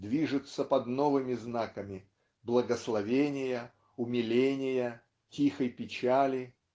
движется под новыми знаками -- благословения умиления тихой печали.